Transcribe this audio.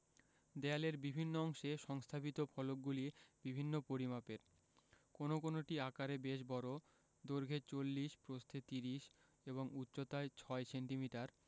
দেয়ালের বিভিন্ন অংশে সংস্থাপিত ফলকগুলি বিভিন্ন পরিমাপের কোন কোনটি আকারে বেশ বড় দৈর্ঘ্যে ৪০ প্রস্থে ৩০ এবং উচ্চতায় ৬ সেন্টিমিটার